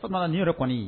O tumana nin yɛrɛ kɔni